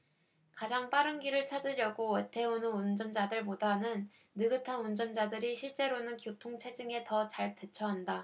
가장 빠른 길을 찾으려고 애태우는 운전자들보다는 느긋한 운전자들이 실제로는 교통 체증에 더 잘 대처한다